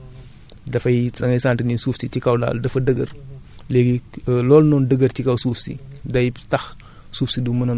loolu ci pédologie moom la ñu tuddee croute de batance dafay da ngay sentir ne suuf si ci kaw daal dafa dëgër